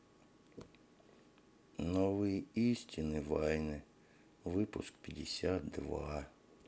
новые истины вайны выпуск пятьдесят два